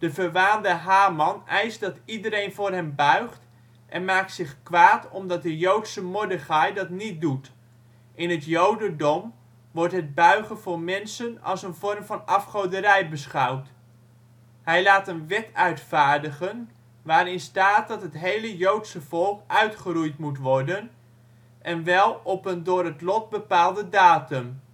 verwaande Haman eist dat iedereen voor hem buigt en maakt zich kwaad omdat de Joodse Mordechai dat niet doet (in het jodendom wordt het buigen voor mensen als een vorm van afgoderij beschouwd). Hij laat een wet uitvaardigen waarin staat dat het hele Joodse volk uitgeroeid moet worden, en wel op een door het lot bepaalde datum